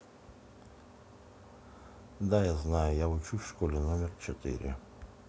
да я знаю я учусь в школе номер четыре